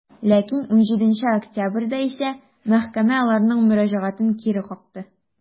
Ләкин 17 октябрьдә исә мәхкәмә аларның мөрәҗәгатен кире какты.